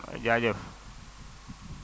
waa jaajëf